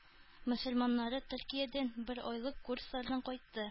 Мөселманнары төркиядән бер айлык курслардан кайтты